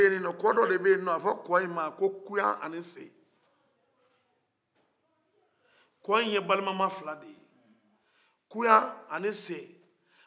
kɔ in ye balemama fila de ye koya ani sen balemama ninnu de tun ye u kale ɲɔgɔn ye ko f ' u ka sa u tɛ ɲɔgɔn diyanfa